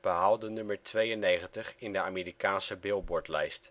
behaalde nummer 92 in de Amerikaanse Billboard-lijst